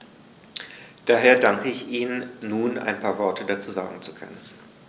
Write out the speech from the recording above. Daher danke ich Ihnen, nun ein paar Worte dazu sagen zu können.